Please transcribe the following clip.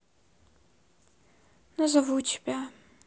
назову тебя